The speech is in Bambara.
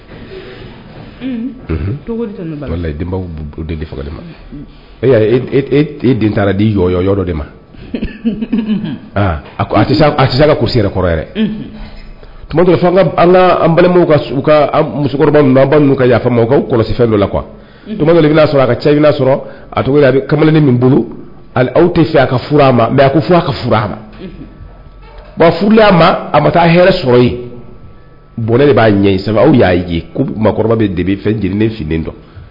Taara di ma kɔrɔ tuma balima musokɔrɔba ka yafama kɔlɔsi dɔ la qu'a sɔrɔ a ka cɛ sɔrɔ a a kamalen min bolo aw tɛ fɛ ka a ma mɛ a ko ka furu a ma'a ma a bɛ taa hɛrɛ sɔrɔ yenɛ de b'a ɲɛ saba aw y'a yekɔrɔba de fɛn